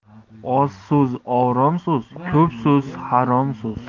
oz so'z orom so'z ko'p so'z harom so'z